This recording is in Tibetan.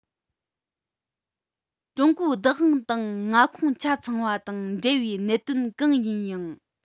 ཀྲུང གོའི བདག དབང དང མངའ ཁོངས ཆ ཚང བ དང འབྲེལ བའི གནད དོན གང ཡིན ཡང